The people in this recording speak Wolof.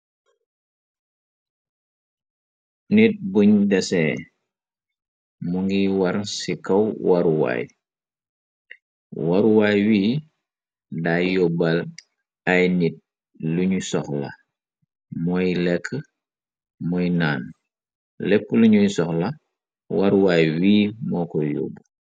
Nit buñ desee mu ngiy war ci kaw waruwaay. Waruwaay wii day yóbbal ay nit luñu sox la mooy lekk mooy naan. Lepp luñuy sox la waruwaay wii moo ko yóbb.